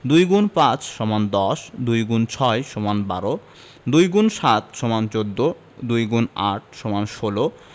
২গুণ ৫ সমান ১০ ২গুণ ৬ সমান ১২ ২গুণ ৭ সমান ১৪ ২গুণ ৮ সমান ১৬